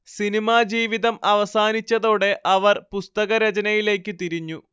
cinema ജീവിതം അവസാനിച്ചതോടെ അവർ പുസ്തക രചനയിലേക്കു തിരിഞ്ഞു